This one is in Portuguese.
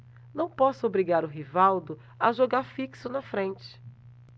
não posso obrigar o rivaldo a jogar fixo na frente